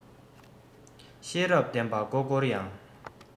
ཤེས རབ ལྡན པ མགོ བསྐོར ཡང